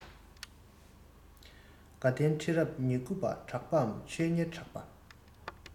དགའ ལྡན ཁྲི རབས ཉེར དགུ པ གྲགས པའམ ཆོས གཉེར གྲགས པ